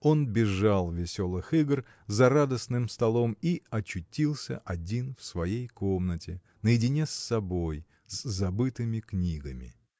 Он бежал веселых игр за радостным столом и очутился один в своей комнате наедине с собой с забытыми книгами.